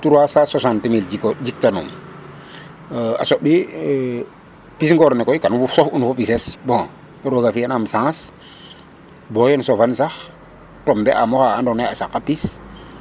360000 jikoor, jiktanum a soɓ i pis ngoor ne koy kam suf'un fo pises bon roog a fiyanaam saas bo yeem sofan sax tomber am fo oxa andoona ye a saqa pis.